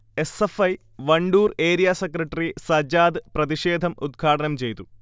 S. F. I. Wandoor area secretary Sajad പ്രതിഷേധം ഉദ്ഘാടനം ചെയ്തു